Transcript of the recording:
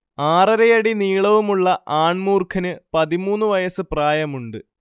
ആറരയടി നീളവുമുള്ള ആൺ മൂർഖന് പതിമൂന്ന്‌ വയസ് പ്രായമുണ്ട്